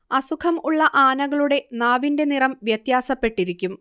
അസുഖം ഉള്ള ആനകളുടെ നാവിന്റെ നിറം വ്യത്യാസപ്പെട്ടിരിക്കും